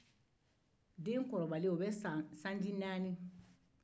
den kɔrɔbalen be sanji naani